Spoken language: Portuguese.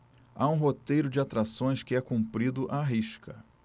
há um roteiro de atrações que é cumprido à risca